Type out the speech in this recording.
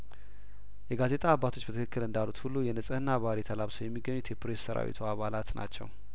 የጋዜጣ አባቶች በትክክል እንዳሉት ሁሉ የንጽህና ባህርይ ተላብሰው የሚገኙት የፕሬሱ ሰራዊት አባላት ናቸው